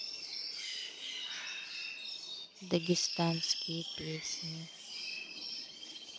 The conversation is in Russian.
дагестанские песни